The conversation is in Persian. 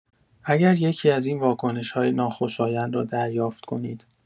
اگر یکی‌از این واکنش‌های ناخوشایند را دریافت کنید.